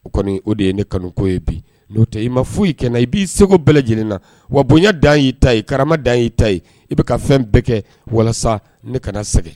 O kɔni o de ye ne kanuko ye bi n'o tɛ i ma foyi i kɛnɛ i b'i segu bɛɛ lajɛlen na wa bonya dan y'i ta ye karama dan y'i ta ye i bɛ ka fɛn bɛɛ kɛ walasa ne kana sɛgɛn